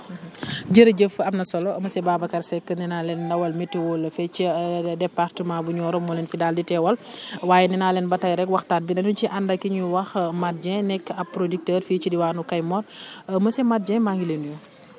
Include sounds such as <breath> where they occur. <hesitation> <hesitation> <breath> jërëjëf am na solo monsieur Babacar Seck nee naa leen ndawal météo la fee ca département bu Nioro moo leen fi daal di teewal <breath> waaye nee naa leen ba tey rek waxtaan bi danu ci ànd ak ki ñuy wax Mate Dieng nekk ab producteur fii ci diwaanu Kayemor <breath> monsieur Mate Dieng maa ngi lay nuyu